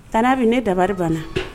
Tantie Ami ne dabali banna.